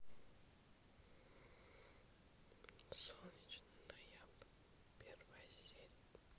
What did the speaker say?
солнечный ноябрь первая серия